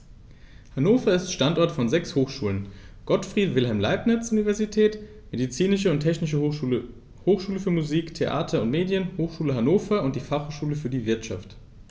Hannover ist Standort von sechs Hochschulen: Gottfried Wilhelm Leibniz Universität, Medizinische und Tierärztliche Hochschule, Hochschule für Musik, Theater und Medien, Hochschule Hannover und die Fachhochschule für die Wirtschaft.